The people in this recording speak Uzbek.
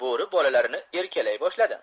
bo'ri bolalarini erkalay boshladi